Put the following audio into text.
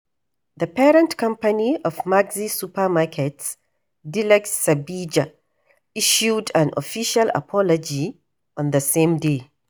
The parent company of Maxi supermarkets, Delez Srbija, issued an official apology on the same day.